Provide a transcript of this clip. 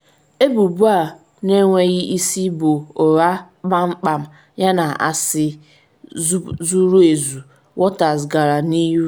“Ebubo a n’enwegh isi bụ ụgha kpamkpam yana asị zuru ezu,”Waters gara n’ihu.